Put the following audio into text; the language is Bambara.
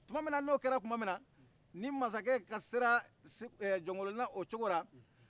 tuma min na n'o kɛra tuma minna ni masakɛ sera jɔnkolonina o cogola